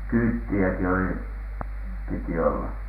kyytiäkin oli piti olla